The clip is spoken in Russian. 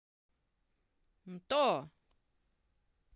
ntò